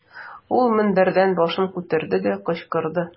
Ул мендәрдән башын күтәрде дә, кычкырды.